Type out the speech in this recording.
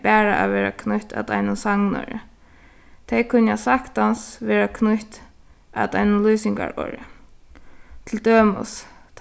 bara at vera knýtt at einum sagnorði tey kunna saktans verða knýtt at einum lýsingarorði til dømis